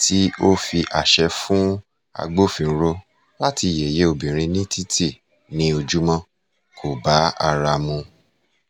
tí ó fi àṣẹ fún agbófinró láti yẹ̀yẹ́ obìrin ní títì ní ojúmọ́, kò bá ara mu!